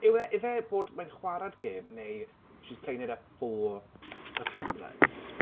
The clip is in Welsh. Yw e... ife bod mae'n chwarae'r gêm, neu she's playing it up for the cameras?